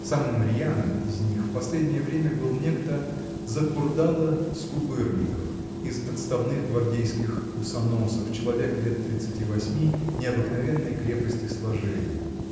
Самым рьяным из них в последнее время был некто Закурдало-Скубырников, из отставных гвардейских усоносов, человек лет тридцати восьми, необыкновенной, крепости сложения.